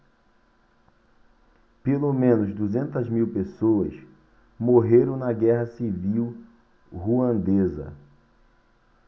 pelo menos duzentas mil pessoas morreram na guerra civil ruandesa